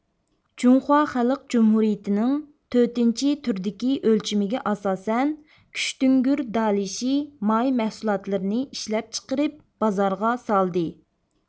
جۇڭخۇا خەلق جۇمھۇرىيىتىنىڭ تۆتىنچى تۈردىكى ئۆلچىمىگە ئاساسەن كۈچتۈڭگۈر دالىشى ماي مەھسۇلاتلىرىنى ئىشلەپ چىقىرىپ بازارغا سالدى